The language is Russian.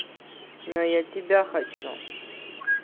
но я тебя хочу